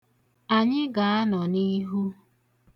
Anyị ga-anọ n'ihu.